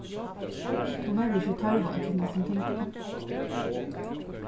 tú hevur ikki tørv á øllum hasum tingunum